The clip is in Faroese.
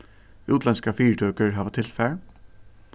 útlendskar fyritøkur hava tilfar